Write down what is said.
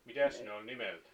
mitäs ne oli nimeltä